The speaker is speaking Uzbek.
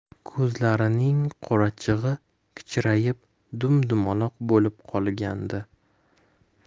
ko'zlarining qorachig'i kichrayib dum dumaloq bo'lib qolgandi